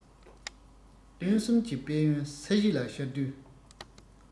སྟོན གསུམ གྱི དཔལ ཡོན ས གཞི ལ ཤར དུས